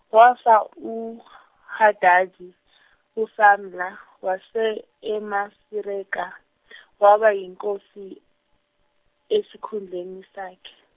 wafa uHadaji, uSamla wase eMasireka waba yiNkosi, esikhundleni sakhe.